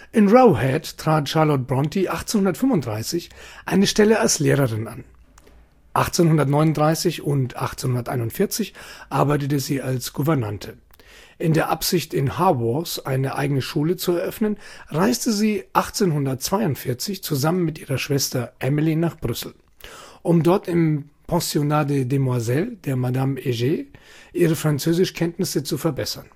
Roe Head trat Charlotte Brontë 1835 eine Stelle als Lehrerin an. 1839 und 1841 arbeitete sie als Gouvernante. In der Absicht, in Haworth eine eigene Schule zu eröffnen, reiste sie 1842 zusammen mit ihrer Schwester Emily nach Brüssel, um dort im „ Pensionnat de Demoiselles “der Madame Heger ihre Französischkenntnisse zu verbessern